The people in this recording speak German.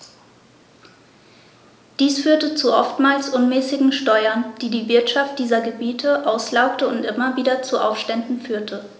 Dies führte zu oftmals unmäßigen Steuern, die die Wirtschaft dieser Gebiete auslaugte und immer wieder zu Aufständen führte.